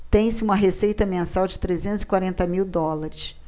tem-se uma receita mensal de trezentos e quarenta mil dólares